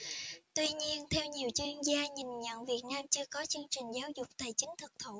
tuy nhiên theo nhiều chuyên gia nhìn nhận việt nam chưa có chương trình giáo dục tài chính thực thụ